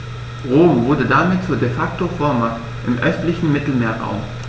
Rom wurde damit zur ‚De-Facto-Vormacht‘ im östlichen Mittelmeerraum.